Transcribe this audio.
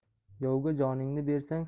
yovga joningni bersang